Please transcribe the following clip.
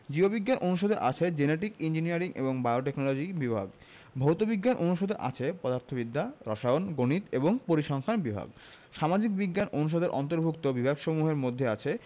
জীব বিজ্ঞান অনুষদে আছে জেনেটিক ইঞ্জিনিয়ারিং এবং বায়োটেকনলজি বিভাগ ভৌত বিজ্ঞান অনুষদে আছে পদার্থবিদ্যা রসায়ন গণিত এবং পরিসংখ্যান বিভাগ সামাজিক বিজ্ঞান অনুষদের অন্তর্ভুক্ত বিভাগসমূহের মধ্যে আছে স